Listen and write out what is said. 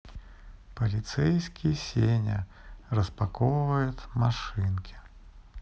полицейский сеня распаковывает машинки